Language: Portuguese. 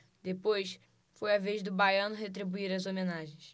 depois foi a vez do baiano retribuir as homenagens